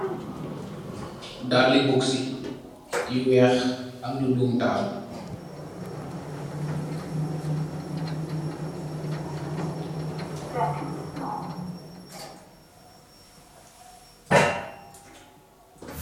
Dalli boksi yu wèèx am lu dom tahal.